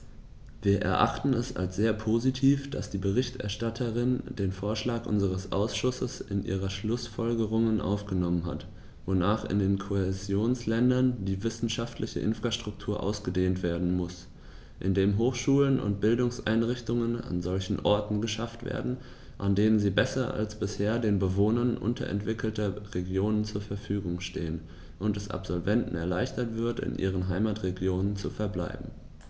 Wir erachten es als sehr positiv, dass die Berichterstatterin den Vorschlag unseres Ausschusses in ihre Schlußfolgerungen aufgenommen hat, wonach in den Kohäsionsländern die wissenschaftliche Infrastruktur ausgedehnt werden muss, indem Hochschulen und Bildungseinrichtungen an solchen Orten geschaffen werden, an denen sie besser als bisher den Bewohnern unterentwickelter Regionen zur Verfügung stehen, und es Absolventen erleichtert wird, in ihren Heimatregionen zu verbleiben.